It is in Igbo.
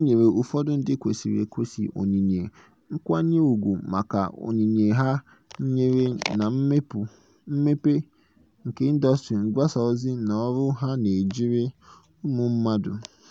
Usoro ihe omume ahụ mechara ruo na mmemme mkpọbata n'ikuku, ebe ndị na-ege ntị kpọrọ oku ekwentị iji kwuo "Ụbọchị Redio Ụwa Ọma" n'asụsụ na ire ha dị iche iche: